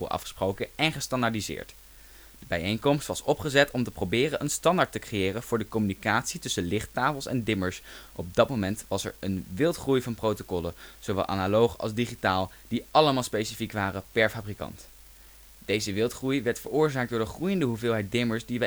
afgesproken en gestandaardiseerd. De bijeenkomst was opgezet om te proberen een standaard te creëren voor de communicatie tussen lichttafels en dimmers, op dat moment was er een wildgroei van protocollen, zowel analoog als digitaal, die allemaal specifiek waren per fabrikant. Deze wildgroei werd veroorzaakt door de groeiende hoeveelheid dimmers die